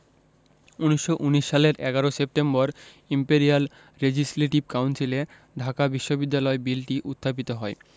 ১৯১৯ সালের ১১ September imperial legislative কাউন্সিলে ঢাকা বিশ্ববিদ্যালয় বিলটি উত্থাপিত হয়